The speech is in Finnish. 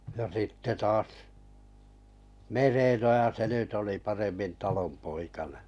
ja sitten taas Merenoja se nyt oli paremmin talonpoikainen